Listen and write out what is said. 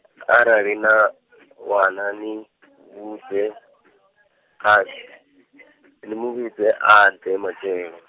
arali na, wana ni, vhudze, a, ni mu vhudze a ḓe matshelo.